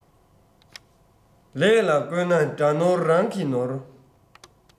ལས ལ བཀོད ན དགྲ ནོར རང གི ནོར